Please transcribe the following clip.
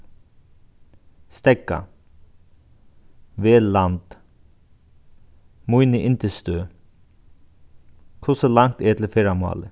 steðga vel land míni yndisstøð hvussu langt er til ferðamálið